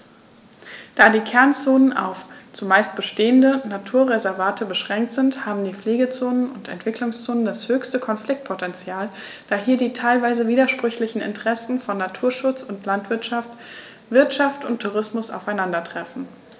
Da die Kernzonen auf – zumeist bestehende – Naturwaldreservate beschränkt sind, haben die Pflegezonen und Entwicklungszonen das höchste Konfliktpotential, da hier die teilweise widersprüchlichen Interessen von Naturschutz und Landwirtschaft, Wirtschaft und Tourismus aufeinandertreffen.